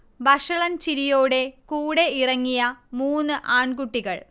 വഷളൻ ചിരിയോടെ കൂടെ ഇറങ്ങിയ മൂന്ന് ആൺകുട്ടികൾ